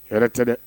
Hɛrɛ tɛ dɛ